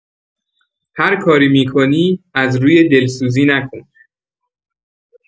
هر کاری می‌کنی، از روی دلسوزی نکن.